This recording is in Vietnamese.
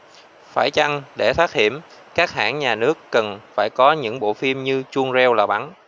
phải chăng để thoát hiểm các hãng nhà nước cần phải có những bộ phim như chuông reo là bắn